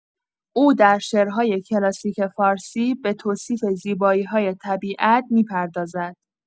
او در شعرهای کلاسیک فارسی به توصیف زیبایی‌های طبیعت می‌پردازد.